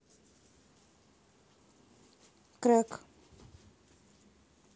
krec